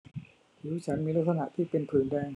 ผิวฉันมีลักษณะที่เป็นผื่นแดง